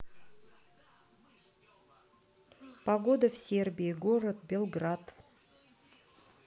погода в сербии город белград